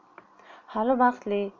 hali vaqtli